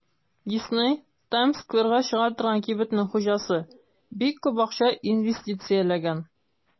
Дисней (Таймс-скверга чыга торган кибетнең хуҗасы) бик күп акча инвестицияләгән.